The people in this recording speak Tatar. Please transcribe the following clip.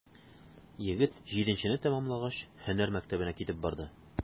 Егет, җиденчене тәмамлагач, һөнәр мәктәбенә китеп барды.